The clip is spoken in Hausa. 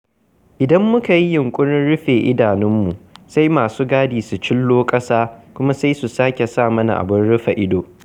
Idan muka yi yunƙurin rufe idanunmu, sai masu gadi su cillo ƙasa. Kuma sai su sake sa mana abin rufe ido.